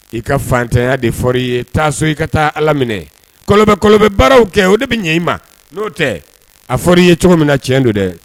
I ka fatanya deɔrɔri i ye taa so i ka taa ala minɛ kɔlɔbe baaraw kɛ o de bɛ ɲɛ i ma n'o tɛ a fɔra i ye cogo min na tiɲɛ don dɛ